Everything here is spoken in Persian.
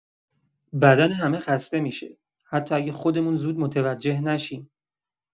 بدن همه خسته می‌شه، حتی اگه خودمون زود متوجه نشیم.